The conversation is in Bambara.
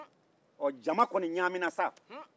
jama kɔni ɲaamina sa